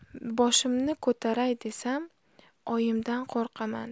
boshimni ko'taray desam oyimdan qo'rqaman